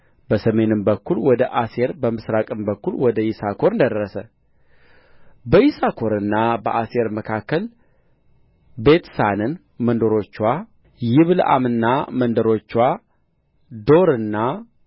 በሰሜን በኩል ወደ አሴር በምሥራቅም በኩል ወደ ይሳኮር ደረሰ በይሳኮርና በአሴር መካከል ቤትሳንና መንደሮችዋ ይብልዓምና መንደሮችዋ ዶርና